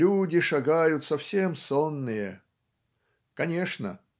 люди шагают совсем сонные". Конечно